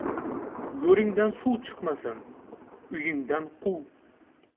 go'ringdan suv chiqmasin uyingdan quv